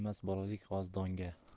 to'ymas bolalik g'oz donga